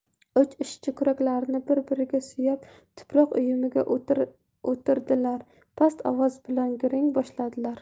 uch ishchi kuraklarini bir biriga suyab tuproq uyumiga o'tirdilarda past ovoz bilan gurung boshladilar